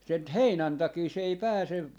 sen - heinän takia se ei pääse